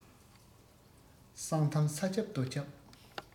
གསང གཏམ ས ཁྱབ རྡོ ཁྱབ